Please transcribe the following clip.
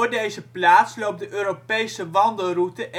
deze plaats loopt de Europese wandelroute